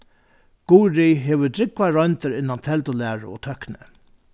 guðrið hevur drúgvar royndir innan teldulæru og tøkni